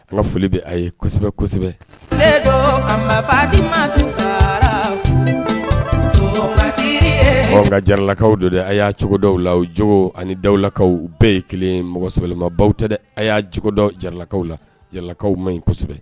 An ka foli bɛ a ye kosɛbɛ kosɛbɛ nka jaralakaw don de a y'a cogoda la o jo ani dawulakaw bɛɛ ye kelen mɔgɔsɛbɛɛlɛma baw tɛ dɛ a y'a cogoda jaralakaw la jaralakaw ma ɲi kosɛbɛ